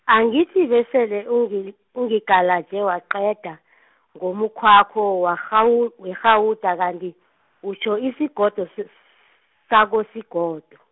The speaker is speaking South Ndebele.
angithi besele ungi- ungigalaje waqeda , ngomukhwakho warha- werhawuda kanti, utjho isigodo sis- sakosigodo.